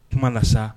Kuma na sa